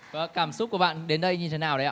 vầng cảm xúc của bạn đến đây như thế nào đây ạ